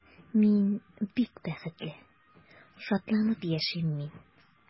Мин бик бәхетле, шатланып яшим мин.